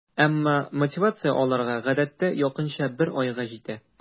Әмма мотивация аларга гадәттә якынча бер айга җитә.